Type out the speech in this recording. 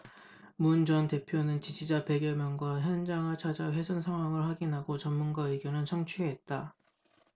문 전 대표는 지지자 백 여명과 현장을 찾아 훼손 상황을 확인하고 전문가 의견을 청취했다